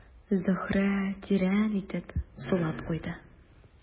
Зөһрә тирән итеп сулап куйды.